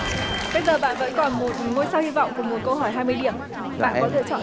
bây giờ bạn vẫn còn một ngôi sao hy vọng cùng một câu hỏi hai mươi điểm bạn có lựa chọn